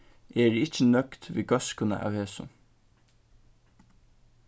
eg eri ikki nøgd við góðskuna av hesum